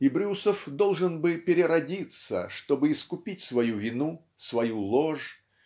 и Брюсов должен бы переродиться чтобы искупить свою вину свою ложь